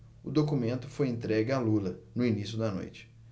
o documento foi entregue a lula no início da noite